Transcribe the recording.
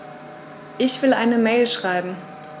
Ich will eine Mail schreiben.